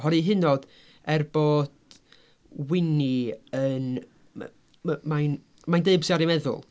Oherwydd hyd yn oed er bod Wini yn my- my- mae'n mae'n dweud beth sy'n ar ei meddwl.